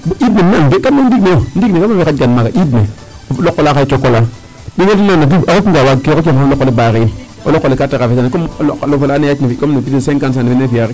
Bo ƴiid ne im ni 'ang de kam ni'ong ndiig neyo ndiig ne xaƴkaan maaga ƴiid ne o loq ola cok ala waagkee rok yaam xan o loq ole barrer in o loq ole kaa traverser a comme o loq ola yaac na fi' comme ne fi'aa rek.